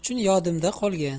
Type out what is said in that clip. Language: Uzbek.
uchun yodimda qolgan